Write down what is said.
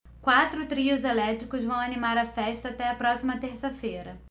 quatro trios elétricos vão animar a festa até a próxima terça-feira